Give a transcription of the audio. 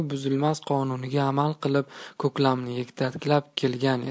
buzilmas qonuniga amal qilib ko'klamni yetaklab kelgan edi